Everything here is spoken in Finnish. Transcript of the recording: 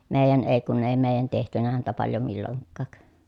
meidän ei kun ei meidän tehty häntä paljon milloinkaan